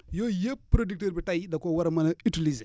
yooyu yëpp producteur bi tay da koo war a mën a utiliser